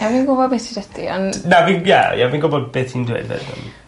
Ie fi'n gwbod be' sy 'dy ti on'... Na fi'n ie ie fi'n gwbod beth ti'n dweud like yym.